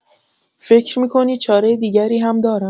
فکر می‌کنی چاره دیگری هم دارم؟